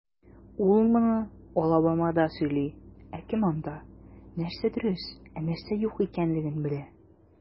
Ул моны Алабамада сөйли, ә кем анда, нәрсә дөрес, ә нәрсә юк икәнлеген белә?